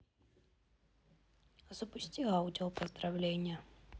запусти аудио поздравления